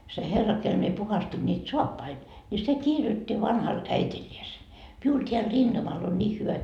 se herra kenelle minä puhdistin niitä saappaita niin se kirjoitti vanhalle äidilleen minulla täällä rintamalla on niin hyvä